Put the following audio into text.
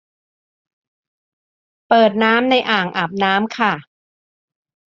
เปิดน้ำในอ่างอาบน้ำค่ะ